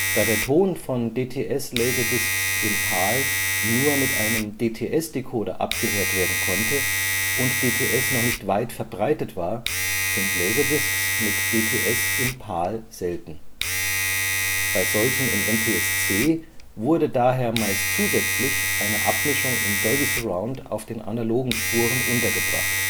Da der Ton von DTS-LaserDiscs in PAL nur mit einem DTS-Dekoder abgehört werden konnte und DTS noch nicht weit verbreitet war, sind LDs mit DTS in PAL selten. Bei solchen in NTSC wurde daher meist zusätzlich eine Abmischung in Dolby Surround auf den analogen Spuren untergebracht